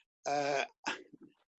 yy